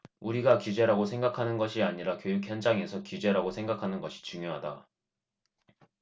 우리가 규제라고 생각하는 것이 아니라 교육 현장에서 규제라고 생각하는 것이 중요하다